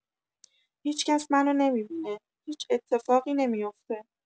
هیچ‌کس منو نمی‌بینه، هیچ اتفاقی نمی‌افته.